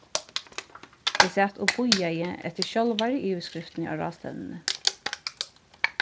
eg sat og bíðaði eftir sjálvari yvirskriftini á ráðstevnuni